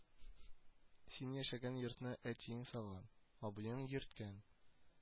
Син яшәгән йортны әтиең салган, абыең йөрткән